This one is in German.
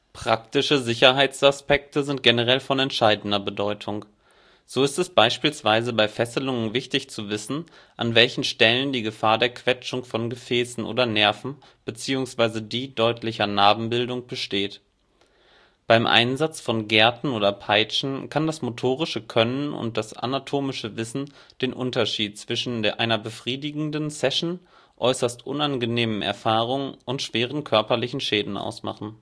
Praktische Sicherheitsaspekte sind generell von entscheidender Bedeutung. So ist es beispielsweise bei Fesselungen wichtig zu wissen, an welchen Stellen die Gefahr der Quetschung von Gefäßen oder Nerven bzw. die deutlicher Narbenbildung besteht. Beim Einsatz von Gerten oder Peitschen kann das motorische Können und das anatomische Wissen den Unterschied zwischen einer befriedigenden Session, äußerst unangenehmen Erfahrungen und schweren körperlichen Schäden ausmachen